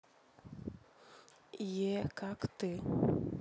е как ты